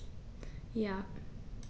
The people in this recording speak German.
Ja.